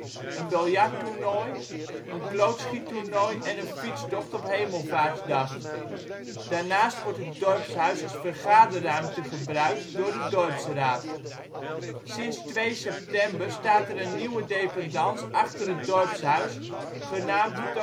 een biljarttoernooi, een klootschiettoernooi en een fietstocht op Hemelvaartsdag. Daarnaast wordt het dorpshuis als vergaderruimte gebruikt door de dorpsraad. Sinds 2 september staat er een nieuwe dependance achter het dorpshuis genaamd